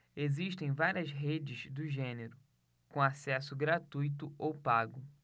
existem várias redes do gênero com acesso gratuito ou pago